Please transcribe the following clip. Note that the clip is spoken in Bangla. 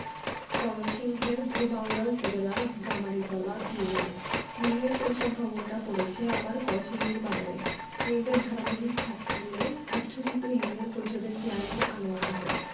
ময়মনসিংহের ধোবাউড়া উপজেলার গামারিতলা ইউনিয়নে ইউনিয়ন পরিষদ ভবনটা পড়েছে আবার কলসিন্দুর বাজারেই মেয়েদের ধারাবাহিক সাফল্যে উচ্ছ্বসিত ইউনিয়ন পরিষদের চেয়ারম্যান আনোয়ার হোসেন